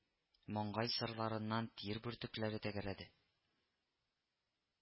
Маңгай сырларыннан тир бөртекләре тәгәрәде